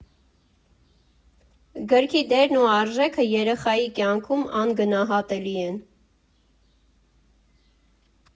Գրքի դերն ու արժեքը երեխայի կյանքում անգնահատելի են։